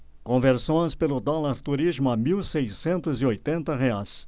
conversões pelo dólar turismo a mil seiscentos e oitenta reais